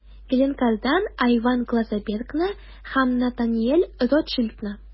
Glencore'дан Айван Глазенбергны һәм Натаниэль Ротшильдны.